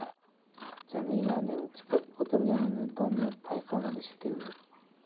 jamilaning chiqib o'tirganini doniyor payqamadi shekilli